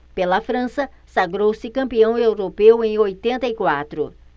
pela frança sagrou-se campeão europeu em oitenta e quatro